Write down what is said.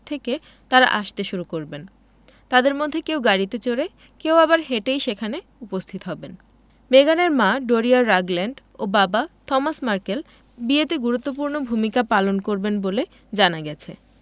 থেকে তাঁরা আসতে শুরু করবেন তাঁদের মধ্যে কেউ গাড়িতে চড়ে কেউ আবার হেঁটেই সেখানে উপস্থিত হবেন মেগানের মা ডোরিয়া রাগল্যান্ড ও বাবা থমাস মার্কেল বিয়েতে গুরুত্বপূর্ণ ভূমিকা পালন করবেন বলে জানা গেছে